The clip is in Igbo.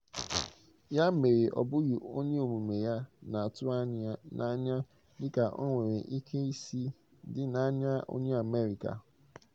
Ya mere, ọ bụghị onye omume ya na-atụ anyị n'anya dịka o nwere ike isi dị n'anya onye America.